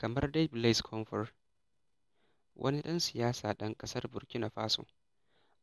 Kamar dai Blaise Compaore [wani ɗan siyasa dan ƙasar Burkina Faso],